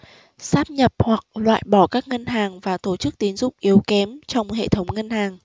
sáp nhập hoặc loại bỏ các ngân hàng và tổ chức tín dụng yếu kém trong hệ thống ngân hàng